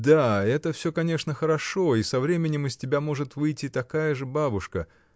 — Да, это всё, конечно, хорошо, и со временем из тебя может выйти такая же бабушка.